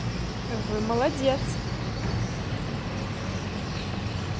вы молодец